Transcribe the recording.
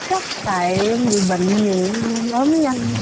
chắc tại em bị bệnh gì nên em ốm nhanh